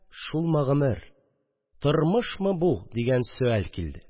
«шулмы гомер? тормышмы бу?» – дигән сөаль килде